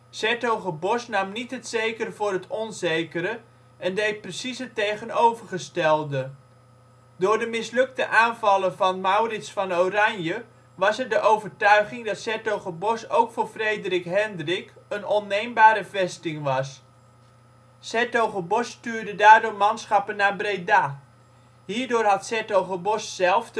s-Hertogenbosch nam niet het zekere voor het onzekere en deed precies het tegenovergestelde. Door de mislukte aanvallen van Maurits van Oranje, was er de overtuiging, dat ' s-Hertogenbosch ook voor Frederik-Hendrik een onneembare vesting was. ' s-Hertogenbosch stuurde daardoor manschappen naar Breda. Hierdoor had ' s-Hertogenbosch zelf